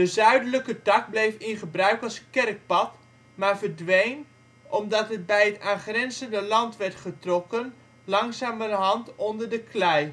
zuidelijke tak bleef in gebruik als kerkpad, maar verdween omdat het bij het aangrenzende land werd getrokken langzamerhand onder de klei